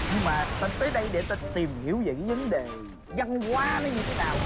nhưng mà ta tới đây để ta tìm hiểu về cái vấn đề văn hóa nó như thế nào